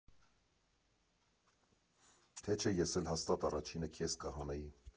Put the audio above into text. Թե չէ ես էլ հաստատ առաջինը քեզ կհանեի։